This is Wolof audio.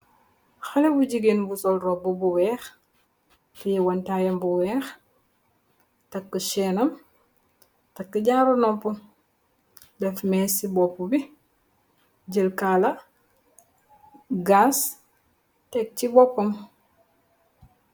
Xale bu jigiin bu sol robum bu weex, tehe wantayam bu weex, takk senam, takk jaru nopu. Def mes si bopu bi, jel kalla gas teg ci boppam.